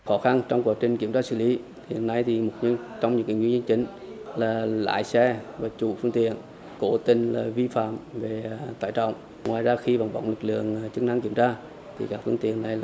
khó khăn trong quá trình kiểm tra xử lý hiện nay thì một trong trong những nguyên nhân chính là lái xe và chủ phương tiện cố tình là vi phạm về tải trọng ngoài ra khi vắng bóng lực lượng chức năng kiểm tra thì các phương tiện này